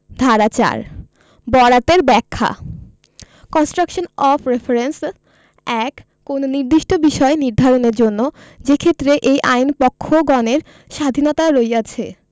ধারা ৪ বরাতের ব্যাখ্যা কন্সট্রাকশন অফ রেফারেঞ্চেস ১ কোন নির্দিষ্ট বিষয় নির্ধারণের জন্য যেইক্ষেত্রে এই আইন পক্ষগণের স্বাধীণতা রহিয়াছে